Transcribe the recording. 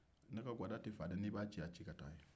ne ka gwada tɛ faga dɛɛ n'i b'a ci a ci ka taa yen